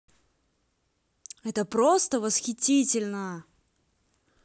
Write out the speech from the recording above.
это просто восхитительно